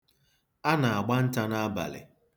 A na-agba nta n'abalị.